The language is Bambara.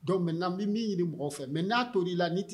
Don mɛ n na an bɛ min ɲini mɔgɔ fɛ mɛ n'a to i la n tɛ